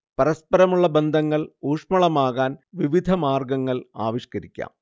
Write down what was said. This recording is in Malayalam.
പരസ്പരമുള്ള ബന്ധങ്ങൾ ഊഷ്ളമാകാൻ വിവിധ മാർഗങ്ങൾ ആവിഷ്കരിക്കാം